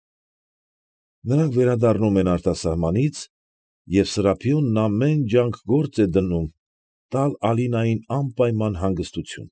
Նրանք վերադառնում են արտասահմանից, և Սրափիոնն ամեն ջանք գործ է դնում տալ Ալինային անպայման հանգստություն։